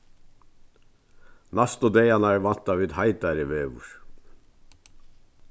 næstu dagarnar vænta vit heitari veður